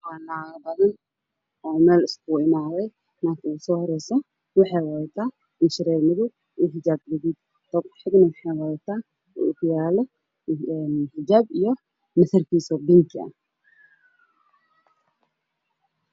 Waa naago meel isku imaaday waxa ay wataan cabayado xijaabo ciidamadooda kalaradoodumadow binki indhoshareer ayay qabtaa